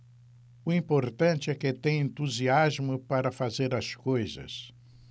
o importante é que tenho entusiasmo para fazer as coisas